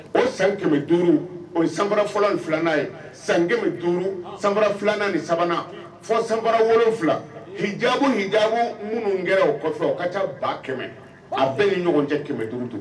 O san 500 o ye sanfara fɔlɔ ni 2 nan ye san 500 sanfara 2 nan ni 3 nan fɔ sanfara 7 hijabu hijabu munnu kɛra o kɔfɛ o ka ca 100.000 a bɛɛ ni ɲɔgɔn cɛ 500 don